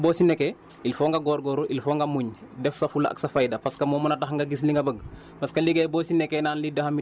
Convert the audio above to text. mbéy yàqqul mais dafa xaw a métti moo tax boo si nekkee il faut nga góorgóorlu il faut nga muñ def sa fulla ak sa fayda parce que moo mun a tax nga gis li nga bëgg